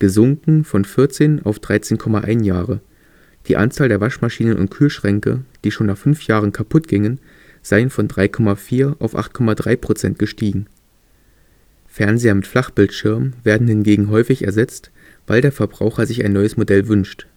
gesunken von 14 auf 13,1 Jahre, die Anzahl der Waschmaschinen und Kühlschränke, die schon nach 5 Jahren kaputt gingen, sei von 3,4 auf 8,3 % gestiegen. Fernseher mit Flachbildschirm werden hingegen häufig ersetzt, weil der Verbraucher sich ein neues Modell wünscht